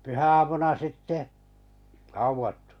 pyhäaamuna sitten haudattu